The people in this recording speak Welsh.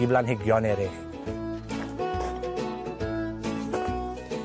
i blanhigion eryll.